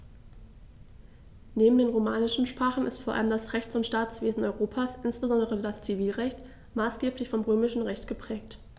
Neben den romanischen Sprachen ist vor allem das Rechts- und Staatswesen Europas, insbesondere das Zivilrecht, maßgeblich vom Römischen Recht geprägt.